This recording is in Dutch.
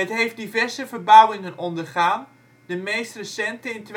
heeft diverse verbouwingen ondergaan, de meest recente in